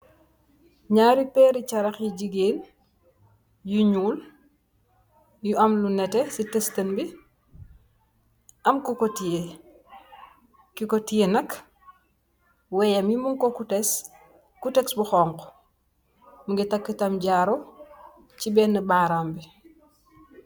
N'aari peeri carax yi jigéen yu ñuul yu am lu nete ci testan bi am ki ko tiyee nak waye mi mun ko ku tex bu xonk mingi takktam jaaro ci bénn baaram bi.